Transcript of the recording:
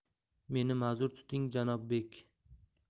meni mazur tuting janob bek